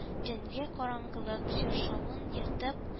Төнге караңгылык чаршавын ертып